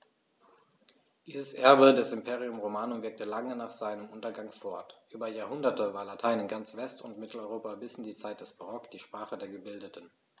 Dieses Erbe des Imperium Romanum wirkte lange nach seinem Untergang fort: Über Jahrhunderte war Latein in ganz West- und Mitteleuropa bis in die Zeit des Barock die Sprache der Gebildeten.